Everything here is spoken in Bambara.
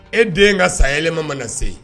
E den ka sayayɛlɛ ma mana se yen